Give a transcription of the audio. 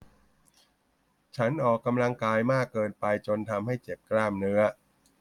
ฉันออกกำลังกายมากเกินไปจนทำให้เจ็บกล้ามเนื้อ